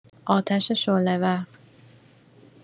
آتش شعله‌ور